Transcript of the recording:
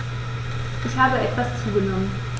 Ich habe etwas zugenommen